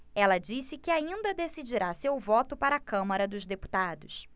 ela disse que ainda decidirá seu voto para a câmara dos deputados